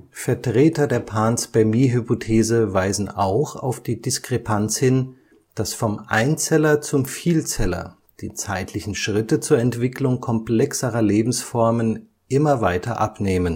Vertreter der Panspermie-Hypothese weisen auch auf die Diskrepanz hin, dass vom Einzeller zum Vielzeller die zeitlichen Schritte zur Entwicklung komplexerer Lebensformen immer weiter abnehmen